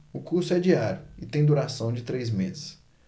o curso é diário e tem duração de três meses